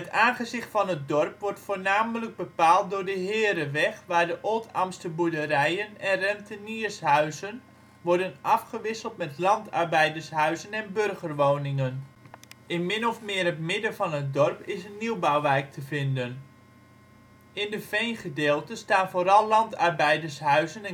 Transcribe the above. aangezicht van het dorp wordt voornamelijk bepaald door de Hereweg waar de Oldambtser boerderijen en renteniershuizen worden afgewisseld met landarbeidershuizen en burgerwoningen. In min of meer het midden het van het dorp is een nieuwbouwwijk te vinden. In de veengedeelten staan vooral landarbeidershuizen